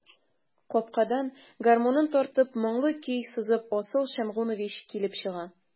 Капкадан, гармунын тартып, моңлы көй сызып, Асыл Шәмгунович килеп чыга.